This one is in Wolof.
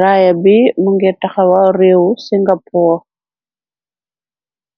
raaya bi mu ngir taxawaw réewu singapor.